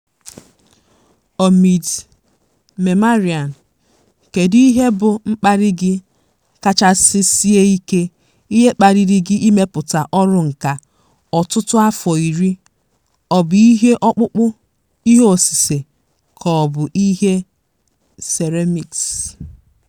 Omid Memarian: Kedu ihe bụ mkpali gị kachasị sie ike, ihe kpaliri gị imepụta ọrụ nkà ọtụtụ afọ iri, ọ bụ ihe ọkpụkpụ, ihe osise, ka ọ bụ ị seremiks?